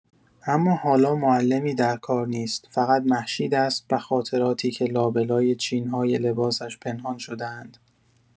اما حالا معلمی در کار نیست، فقط مهشید است و خاطراتی که لابه‌لای چین‌های لباسش پنهان شده‌اند.